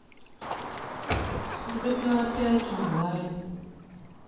в гта пять онлайн